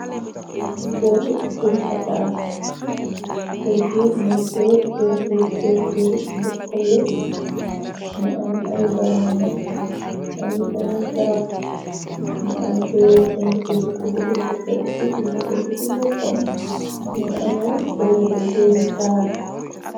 Kër buñu etaas kër gi nin ko pentur pentur bu xël mu am ay bana na am beneen garab mu am koloor sung ci bukki ci bint kër gi bint kër gi ci boppam ni ame koloor bu doumu taal.